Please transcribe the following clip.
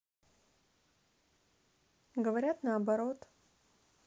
говорят наоборот